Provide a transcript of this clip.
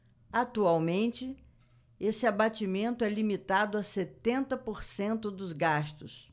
atualmente esse abatimento é limitado a setenta por cento dos gastos